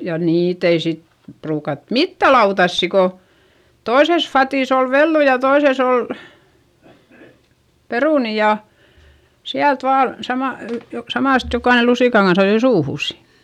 ja niitä ei sitten ruukattu mitään lautasia kun toisessa vadissa oli vellu ja toisessa oli perunoita ja sieltä vain --- samasta jokainen lusikan kanssa ajoi suuhunsa